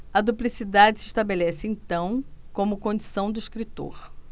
a duplicidade se estabelece então como condição do escritor